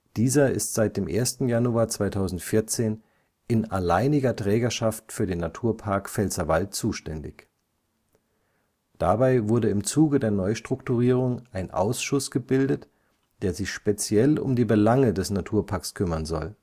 Dieser ist seit dem 1. Januar 2014 in alleiniger Trägerschaft für den Naturpark Pfälzerwald zuständig. Dabei wurde im Zuge der Neustrukturierung ein Ausschuss gebildet, der sich speziell um die Belange des Naturparks kümmern soll